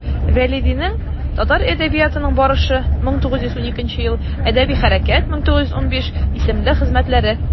Вәлидинең «Татар әдәбиятының барышы» (1912), «Әдәби хәрәкәт» (1915) исемле хезмәтләре.